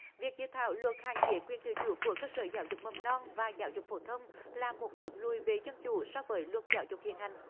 việc dự thảo luật hạn chế quyền tự chủ của cơ sở giáo dục mầm non và giáo dục phổ thông là một bước lùi về dân chủ so với luật giáo dục hiện hành